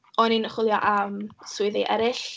O'n i'n chwilio am swyddi eraill.